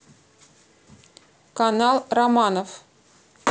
канал романов